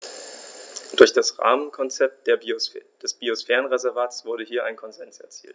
Durch das Rahmenkonzept des Biosphärenreservates wurde hier ein Konsens erzielt.